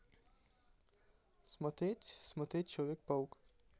смотреть смотреть человек паук